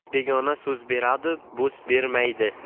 begona so'z beradi bo'z bermaydi